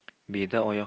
tevarak atrofdagi har bir